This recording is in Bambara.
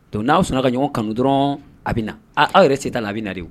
Don n'aw sun ka ɲɔgɔn kanu dɔrɔn a bɛ na aw yɛrɛ se ta la a bɛ na